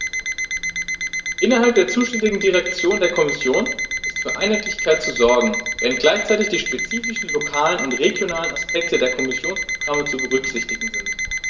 Innerhalb der zuständigen Direktion der Kommission ist für Einheitlichkeit zu sorgen, während gleichzeitig die spezifischen lokalen und regionalen Aspekte der Kommissionsprogramme zu berücksichtigen sind.